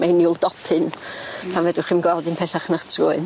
Mae'n niwl dopyn pan fedrwch chi'm gweld dim pellach na'ch trwyn.